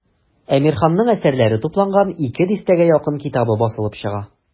Әмирханның әсәрләре тупланган ике дистәгә якын китабы басылып чыга.